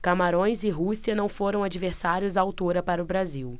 camarões e rússia não foram adversários à altura para o brasil